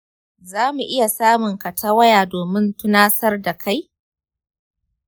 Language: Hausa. za mu iya samunka ta waya domin tunasar da kai?